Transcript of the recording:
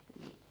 mm